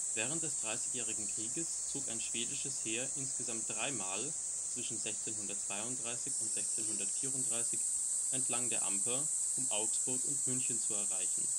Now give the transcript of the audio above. Während des Dreißigjährigen Krieges zog ein schwedisches Heer insgesamt dreimal (zwischen 1632 und 1634) entlang der Amper, um Augsburg und München zu erreichen